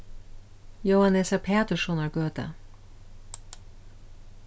jóannesar paturssonar gøta